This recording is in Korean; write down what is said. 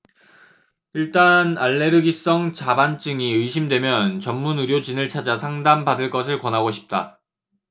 일단 알레르기성 자반증이 의심되면 전문 의료진을 찾아 상담 받을 것을 권하고 싶다